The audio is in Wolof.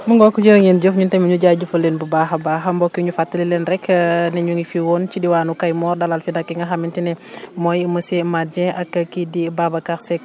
mu ngoog jërë ngeen jëf ñun tam ñu jaajëfal leen bu baax a baax mbokk yi ñu fàttali leen rek ne ñu ngi fi woon ci diwaanu Kayemor dalal fi nag ki nga xamante ne mooy monsieur Mate Dieng ak kii di Babacar Seck